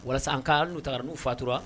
Walasa an ka n'u taara n'u fatura